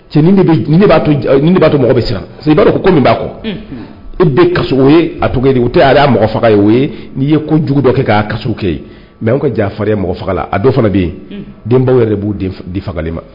Cɛ'a to mɔgɔ bɛ siran i b'a ko min'a kɔ e bɛ o ye a tugu o tɛ mɔgɔ faga ye ye n'i ye ko jugu dɔ kɛ' ka kɛ mɛ ka janfa ye mɔgɔ faga la a dɔ fana bɛ yen denbaw yɛrɛ de b'o di fagalen ma